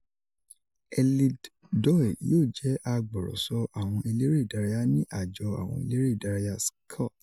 Eilidh Doyle yoo jẹ "agbọrọsọ awọn elere idaraya" ni Ajọ Awọn Elere idaraya Scott